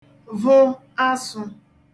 vụ asụ̄